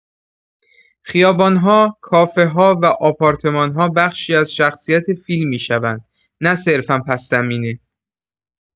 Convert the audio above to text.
خیابان‌ها، کافه‌ها و آپارتمان‌ها بخشی از شخصیت فیلم می‌شوند، نه صرفا پس‌زمینه.